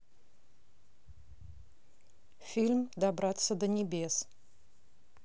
фильм добраться до небес